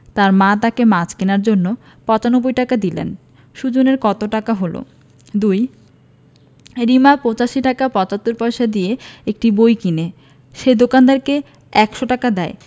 তার মা তাকে মাছ কেনার জন্য ৯৫ টাকা দিলেন সুজনের কত টাকা হলো ২ রিমা ৮৫ টাকা ৭৫ পয়সা দিয়ে একটি বই কিনে সে দোকানদারকে ১০০ টাকা দেয়